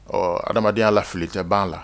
Ɔ adamadamadenya y'a fililicɛ b'a la